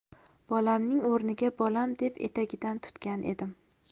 bolamning o'rniga bolam deb etagidan tutgan edim